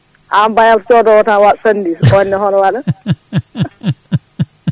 Am Bayal codowo tan waɗa sandiwich onne hono waɗata